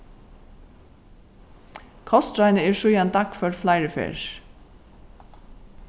kostráðini eru síðani dagførd fleiri ferðir